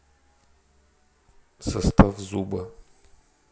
состав зуба